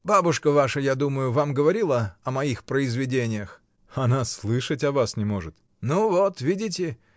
Бабушка ваша, я думаю, вам говорила о моих произведениях! — Она слышать о вас не может. — Ну вот видите!